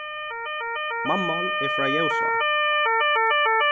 mamman er frá ljósá